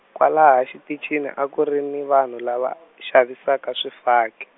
kwalaha xiticini a kuri ni vanhu lava, xavisaka swifaki.